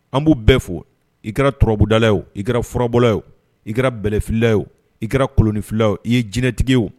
An b'u bɛɛ fo i kɛra turabudala o i kɛra furabɔla yeo i kɛra bɛlɛlila yeo i kɛra kolonfi i ye jinɛtigi o